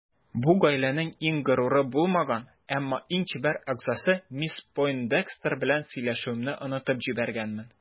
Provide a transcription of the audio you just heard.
Бу гаиләнең иң горуры булмаган, әмма иң чибәр әгъзасы мисс Пойндекстер белән сөйләшүемне онытып җибәргәнмен.